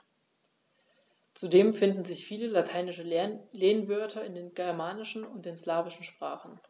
Zudem finden sich viele lateinische Lehnwörter in den germanischen und den slawischen Sprachen.